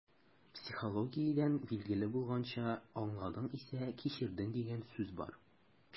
Психологиядән билгеле булганча, «аңладың исә - кичердең» дигән сүз бар.